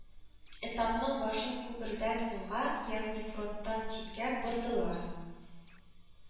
Этапның башын күпердән сулга, ягъни фронттан читкә бордылар